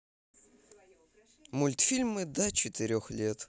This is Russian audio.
мультфильмы до четырех лет